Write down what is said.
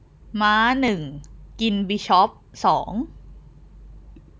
ม้าหนึ่งกินบิชอปสอง